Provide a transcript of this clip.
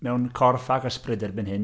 Mewn corff ac ysbryd erbyn hyn.